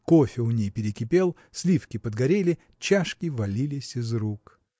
Кофе у ней перекипел, сливки подгорели, чашки валились из рук.